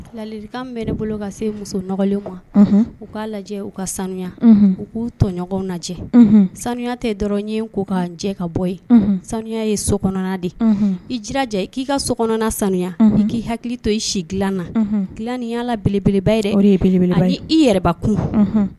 Lali bɛ ne bolo ka se musolen u k'a lajɛ u ka sanu u k'u tɔɲɔgɔnw lajɛ sanuya tɛ dɔrɔn ye ko ka jɛ ka bɔ yen sanu ye so kɔnɔn de ye ijɛ k'i ka so sanuya k'i hakili to i si dila na dilan ni yalala belebelebaele i yɛrɛba kun